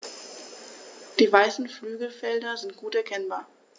Die weißen Flügelfelder sind gut erkennbar.